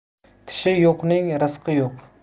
tishi yo'qning rizqi yo'q